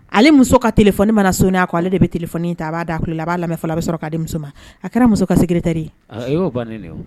Ale muso ka tile- mana so a ko ale de bɛoni ta b'a da a a b'a a bɛ sɔrɔ k'a denmuso ma a kɛra muso ka tɛ